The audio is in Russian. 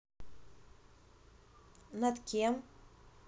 над кем